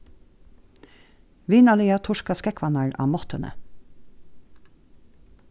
vinarliga turka skógvarnar á mottuni